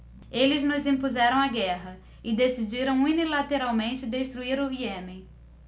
eles nos impuseram a guerra e decidiram unilateralmente destruir o iêmen